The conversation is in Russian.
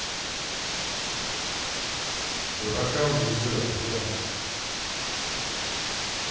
дуракам везет яндекс